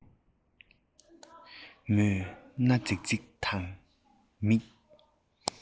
མོས སྣ རྫིག རྫིག དང མིག